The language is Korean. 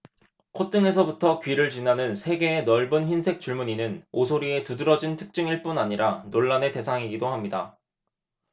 콧등에서부터 귀를 지나는 세 개의 넓은 흰색 줄무늬는 오소리의 두드러진 특징일 뿐 아니라 논란의 대상이기도 합니다